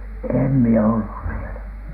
en minä ollut siellä